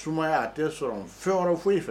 Sumaya a tɛ sɔrɔ fɛn wɛrɛ foyi fɛ